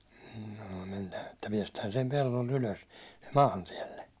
mm no mennään että päästään sen pellolta ylös maantielle